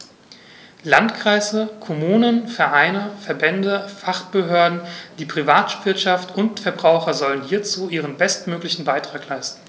Landkreise, Kommunen, Vereine, Verbände, Fachbehörden, die Privatwirtschaft und die Verbraucher sollen hierzu ihren bestmöglichen Beitrag leisten.